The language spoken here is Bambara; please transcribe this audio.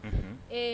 Ee